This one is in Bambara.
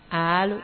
Aa